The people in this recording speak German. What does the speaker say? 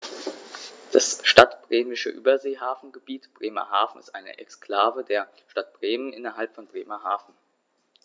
Das Stadtbremische Überseehafengebiet Bremerhaven ist eine Exklave der Stadt Bremen innerhalb von Bremerhaven.